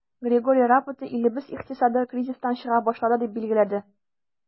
Григорий Рапота, илебез икътисады кризистан чыга башлады, дип билгеләде.